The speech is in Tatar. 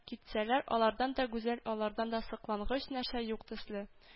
Китсәләр, алардан да гүзәл, алардан да соклангыч нәрсә юк төсле